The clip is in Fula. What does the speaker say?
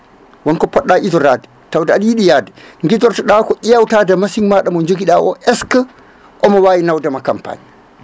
wonko poɗɗa idorade tawde aɗa yiiɗi yaade guidortoɗa ko ƴewtade machine maɗa mo joguiɗa o est ce que omo wawi nawdema campagne